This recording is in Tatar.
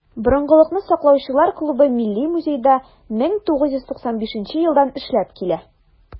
"борынгылыкны саклаучылар" клубы милли музейда 1995 елдан эшләп килә.